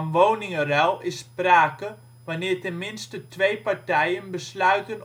woningruil is sprake wanneer ten minste twee partijen besluiten